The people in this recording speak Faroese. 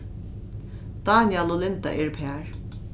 dánjal og linda eru par